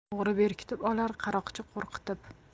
o'g'ri berkitib olar qaroqchi qo'rqitib